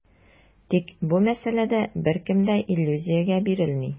Тик бу мәсьәләдә беркем дә иллюзиягә бирелми.